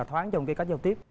thoáng trong cái cách giao tiếp